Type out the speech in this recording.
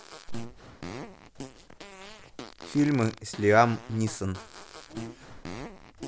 фильмы с лиам нисон